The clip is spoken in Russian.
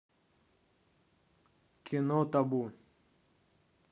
кино табу